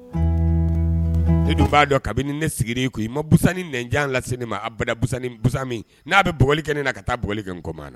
E dun b'a dɔn kabini ne sigin i ko i ma busan ni n lase ma asansana bɛ bɔli kɛ na ka taa bɔli kɛ ma na